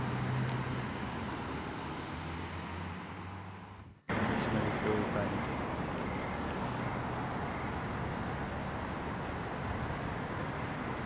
конечно веселый танец